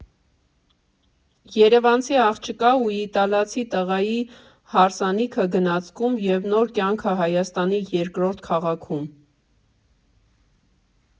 Երևանցի աղջկա ու իտալացի տղայի հարսանիքը գնացքում և նոր կյանքը Հայաստանի երկրորդ քաղաքում։